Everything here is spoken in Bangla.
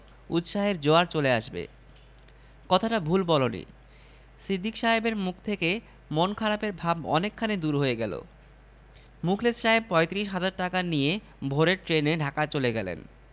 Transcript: আপনি পত্র পাওয়ামাত্র নিচের ঠিকানায় আরো কুড়ি হাজার পাঠিয়ে দেবেন | মনে সাহস রাখবেন আমাদের বিজয় নিশ্চিত জয় কুমীর আর্টিস্ট পঞ্চাশ টাকার গাঁজা